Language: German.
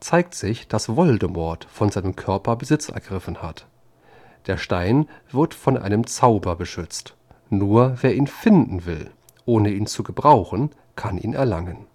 zeigt sich, dass Voldemort von seinem Körper Besitz ergriffen hat. Der Stein wird von einem Zauber beschützt: Nur wer ihn finden will, ohne ihn zu gebrauchen, kann ihn erlangen